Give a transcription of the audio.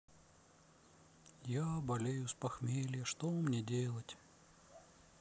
я болею с похмелья что мне делать